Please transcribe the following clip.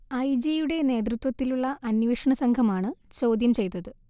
I ജിയുടെ നേതൃത്വത്തിലുള്ള അന്വേഷണ സംഘമാണ് ചോദ്യം ചെയ്തത്